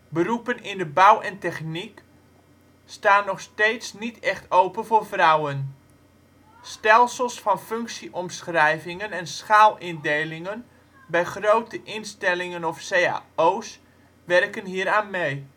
Beroepen in de bouw en techniek staan nog steeds niet echt open voor vrouwen. Stelsels van functie-omschrijvingen en schaalindelingen bij grote instellingen of CAO 's werken hier aan mee